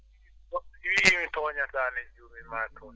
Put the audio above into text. goɗɗo so yi mi tooñataa ne juumii ma tooñ